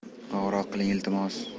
qo'ng'iroq qiling iltimos